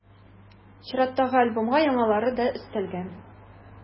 Чираттагы альбомга яңалары да өстәлгән.